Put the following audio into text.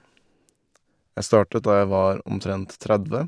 Jeg startet da jeg var omtrent tredve.